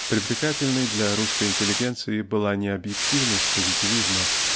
Привлекательной для русской интеллигенции была не объективность позитивизма